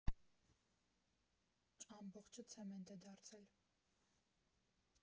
Ամբողջը ցեմենտ է դարձել։